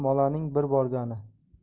molaning bir borgani